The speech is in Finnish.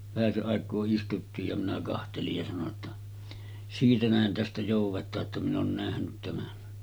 vähäsen aikaa istuttiin ja minä katselin ja sanoin jotta siitä nähden tästä joudetaan jotta minä olen nähnyt tämän